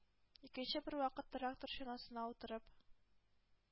Икенче бервакыт, трактор чанасына утырып,